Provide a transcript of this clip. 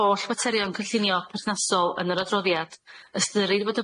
holl faterion cynllunio perthnasol yn yr adroddiad ystyrir fod